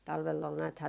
talvella oli näethän